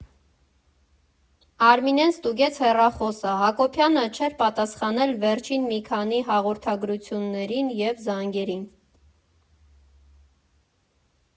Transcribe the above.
Արմինեն ստուգեց հեռախոսը՝ Հակոբյանը չէր պատասխանել վերջին մի քանի հաղորդագրություններին և զանգերին։